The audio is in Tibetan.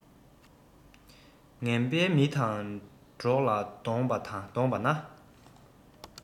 ངན པའི མི དང གྲོགས ལ བསྡོངས པ ན